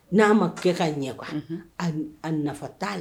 N'a ma kɛ ka ɲɛ a nafa t'a la